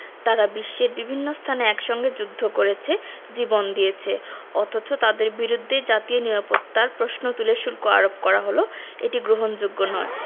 তারা বিশ্বের বিভিন্ন স্থানে একসঙ্গে যুদ্ধ করেছে জীবন দিয়েছে অথচ তাঁদের বিরুদ্ধেই জাতীয় নিরাপত্তার প্রশ্ন তুলে শুল্ক আরোপ করা হলো এটি গ্রহণযোগ্য নয়